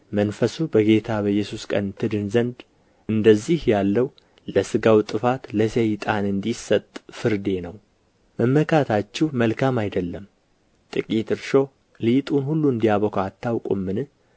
መንፈሱ በጌታ በኢየሱስ ቀን ትድን ዘንድ እንደዚህ ያለው ለሥጋው ጥፋት ለሰይጣን እንዲሰጥ ፍርዴ ነው መመካታችሁ መልካም አይደለም ጥቂት እርሾ ሊጡን ሁሉ እንዲያቦካ አታውቁምን